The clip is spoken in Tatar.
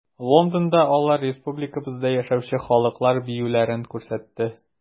Лондонда алар республикабызда яшәүче халыклар биюләрен күрсәтте.